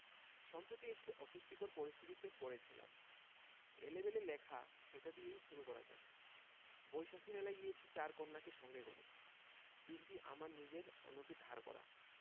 সম্প্রতি একটি অস্বস্তিকর পরিস্থিতিতে পড়েছিলাম এলেবেলে লেখা সেটা দিয়েই শুরু করা যাক বৈশাখী মেলায় গিয়েছি চার কন্যাকে সঙ্গে করে তিনটি আমার নিজের অন্যটি ধার করা